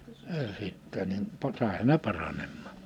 - sitten niin - saihan ne paranemaan